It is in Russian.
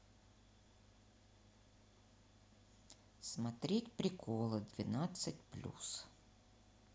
смотреть приколы двенадцать плюс